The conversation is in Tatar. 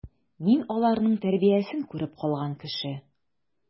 Мин аларның тәрбиясен күреп калган кеше.